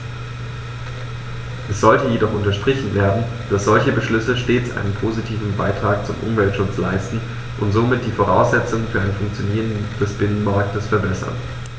Es sollte jedoch unterstrichen werden, dass solche Beschlüsse stets einen positiven Beitrag zum Umweltschutz leisten und somit die Voraussetzungen für ein Funktionieren des Binnenmarktes verbessern.